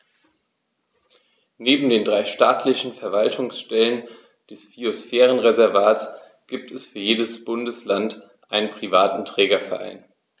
Neben den drei staatlichen Verwaltungsstellen des Biosphärenreservates gibt es für jedes Bundesland einen privaten Trägerverein.